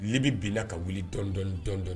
bɛ bɛn ka wuli dɔndɔ dɔndɔ